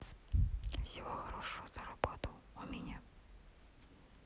всего хорошего заработал у меня